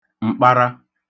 m̀kpara